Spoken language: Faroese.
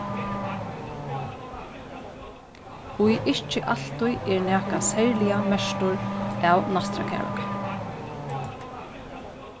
ið ikki altíð er nakað serliga merktur av næstrakærleika